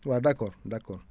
waaw d' accord d' accord